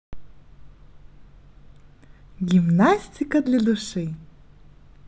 гимнастика для души